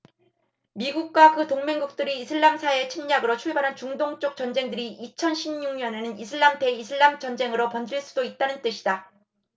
미국과 그 동맹국들의 이슬람사회 침략으로 출발한 중동 쪽 전쟁들이 이천 십 육 년에는 이슬람 대 이슬람 전쟁으로 번질 수도 있다는 뜻이다